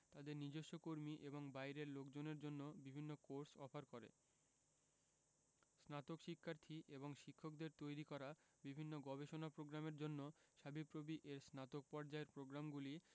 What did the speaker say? তাদের নিজস্ব কর্মী এবং বাইরের লোকজনের জন্য বিভিন্ন কোর্স অফার করে স্নাতক শিক্ষার্থী এবং শিক্ষকদের তৈরি করা বিভিন্ন গবেষণা প্রোগ্রামের জন্য সাবিপ্রবি এর স্নাতক পর্যায়ের প্রগ্রামগুলি